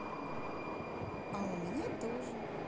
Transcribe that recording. а у меня тоже